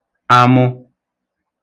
amụ